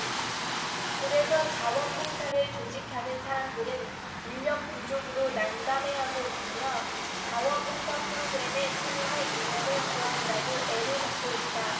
그래서 자원 봉사를 조직하는 사람들은 인력 부족으로 난감해하고 있으며 자원 봉사 프로그램에 참여할 인원을 구하느라고 애를 먹고 있다